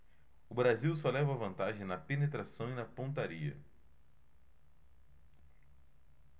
o brasil só leva vantagem na penetração e na pontaria